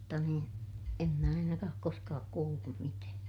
mutta niin en minä ainakaan ole koskaan kuullut mitään